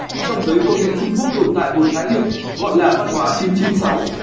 trong giới công nghệ trung quốc tồn tại một khái niệm gọi là văn hóa